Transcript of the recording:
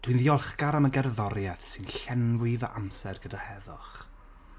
Dwi'n ddiolchgar am y gerddoriaeth sy'n llenwi fy amser gyda heddwch.